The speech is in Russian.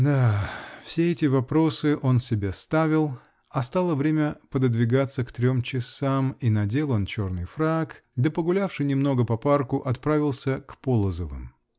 Да. Все эти вопросы он себе ставил, а стало время пододвигаться к трем часам -- и надел он черный фрак да, погулявши немного но парку, отправился к Полозовым.